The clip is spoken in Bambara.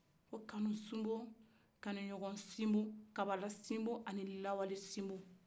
ko kanusinbu kaniɲɔgɔnsinbu kabalasinbu an lawalesinbu